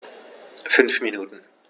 5 Minuten